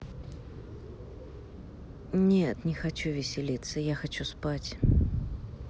нет не хочу веселиться я хочу спать